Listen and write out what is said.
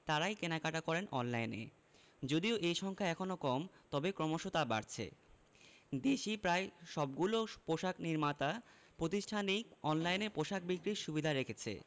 তাঁরাই কেনাকাটা করেন অনলাইনে যদিও এ সংখ্যা এখনো কম তবে ক্রমশ তা বাড়ছে দেশি প্রায় সবগুলো পোশাক নির্মাতা প্রতিষ্ঠানই অনলাইনে পোশাক বিক্রির সুবিধা রেখেছে